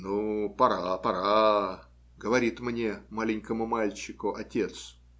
- Ну, пора, пора, - говорит мне, маленькому мальчику, отец.